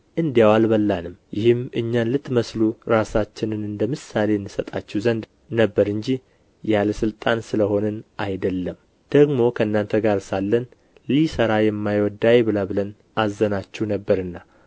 እንዲያው አልበላንም ይህም እኛን ልትመስሉ ራሳችንን እንደ ምሳሌ እንሰጣችሁ ዘንድ ነበር እንጂ ያለ ሥልጣን ስለ ሆንን አይደለም ደግሞ ከእናንተ ጋር ሳለን ሊሠራ የማይወድ አይብላ ብለን አዘናችሁ ነበርና